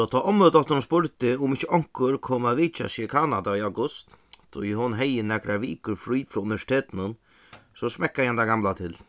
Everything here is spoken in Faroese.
so tá ommudóttirin spurdi um ikki onkur kom at vitja seg í kanada í august tí hon hevði nakrar vikur frí frá universitetinum so smekkaði henda gamla til